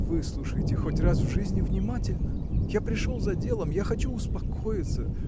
– Выслушайте хоть раз в жизни внимательно я пришел за делом я хочу успокоиться